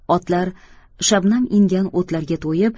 otlar shabnam ingan o'tlarga to'yib